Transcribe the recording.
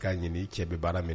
I ka ɲini cɛ bɛ baara minɛ